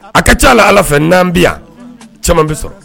A ka ca ala fɛ n'an bi yan caman bɛ sɔrɔ